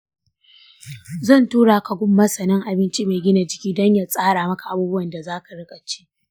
zan tura ka gun masanin abinci mai gina jiki domin ya tsara maka abubuwan da za ka riƙa ci.